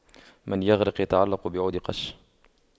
من يغرق يتعلق بعود قش